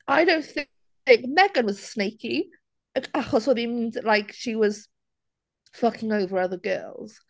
I don't think...Megan was snakey achos oedd hi'n mynd...like, she was fucking over other girls.